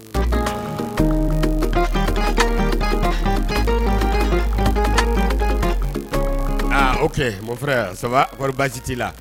O o fɔra yan saba baasi t' la